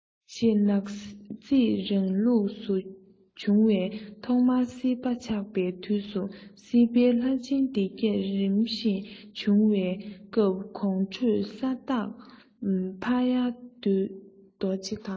ཞེས ནག རྩིས རང ལུགས སུ བྱུང བའི ཐོག མར སྲིད པ ཆགས པའི དུས སུ སྲིད པའི ལྷ ཆེན སྡེ བརྒྱད རིམ བཞིན བྱུང བའི སྐབས གོང འཁོད ས བདག ཕ ཡ བདུད རྡོ རྗེ དང